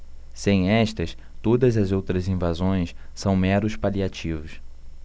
sem estas todas as outras invasões são meros paliativos